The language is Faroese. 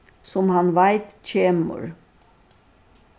sum hann veit kemur